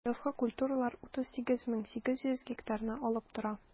Язгы культуралар 38,8 мең гектарны алып тора.